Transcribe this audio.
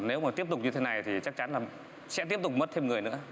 nếu mà tiếp tục như thế này thì chắc chắn là sẽ tiếp tục mất thêm người nữa